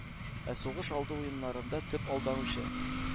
Ә сугыш алды уеннарында төп алданучы,